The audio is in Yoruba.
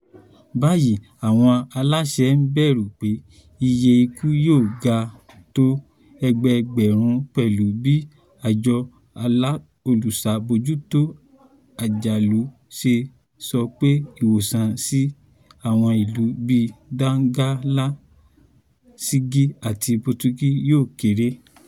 Báyìí, àwọn aláṣẹ ń bẹ̀rù pé iye ikú yóò ga tó ẹgbẹgbẹ̀rún pẹ̀lú bí àjọ olùṣàbójútó àjálù ṣe ń sọ pé ìwọlé sì àwọn ìlú bíi Donggala, Sigi àti Boutong yóò kére.